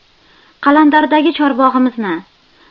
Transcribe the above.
qalandardagi chorbog'imizni